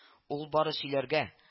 Ул бары сөйләргә